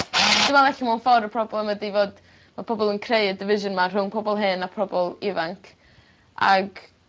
Dwi me'wl elle mewn ffor y problem ydi fod ma' pobol yn creu y division 'ma rhwng pobol hen a probol ifanc ag